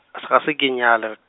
as- ga se ke nyale.